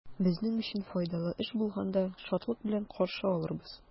Безнең өчен файдалы эш булганда, шатлык белән каршы алырбыз.